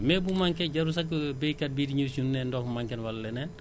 mais bu manqué jarul sax baykat bi di ñu si ne ndox manqué na wala leneen